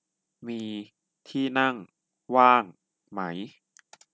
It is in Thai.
มีที่นั่งว่างไหม